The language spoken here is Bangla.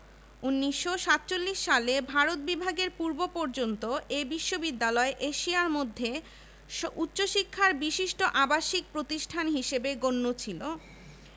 প্রযুক্তি প্রশাসন কূটনীতি জনসংযোগ রাজনীতি ব্যবসা বাণিজ্য ও শিল্প কারখানায় নিয়োজিত রয়েছেন তাঁদের প্রায় ৭০ শতাংশ এসেছেন এ বিশ্ববিদ্যালয় থেকে শিক্ষালাভ করে